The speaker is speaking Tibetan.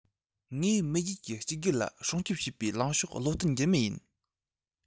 ངས མེས རྒྱལ གྱི གཅིག གྱུར ལ སྲུང སྐྱོབ བྱེད པའི ལངས ཕྱོགས བློ བརྟན འགྱུར མེད ཡིན